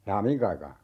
jaa mihinkä aikaan